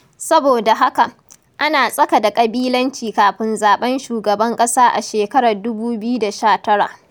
Saboda haka, ana tsaka da ƙabilanci kafin zaɓen shugaban ƙasa a shekarar 2019.